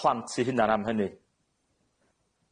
A plant 'i hunan am hynny.